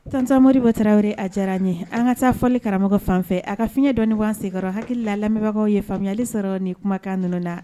Tɔntamo watarawyr a diyara n ye an ka taa fɔli karamɔgɔ fanfɛ a ka fiɲɛ dɔ ninwan seg hakiliki la lamɛnbagaw ye faamuyayali sɔrɔ ni kumakan n la